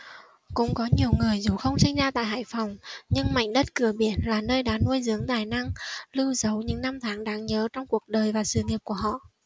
cũng có nhiều người dù không sinh ra tại hải phòng nhưng mảnh đất cửa biển là nơi đã nuôi dưỡng tài năng lưu dấu những năm tháng đáng nhớ trong cuộc đời và sự nghiệp của họ